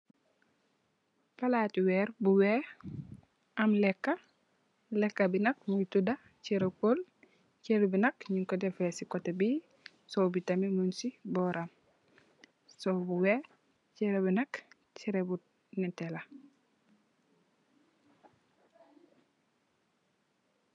Plaati wehrre bu wekh, am lehkah, lehkah bii nak mungy tuda chereh peul, chereh bii nak njung kor defeh cii coteh bii, sowe bii tamit mung cii bohram, sowe bu wekh, chereh bii nak chereh bu nehteh la.